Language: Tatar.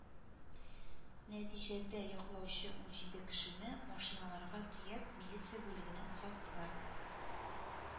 Нәтиҗәдә яклаучы унҗиде кешене машиналарга төяп, милиция бүлегенә озаттылар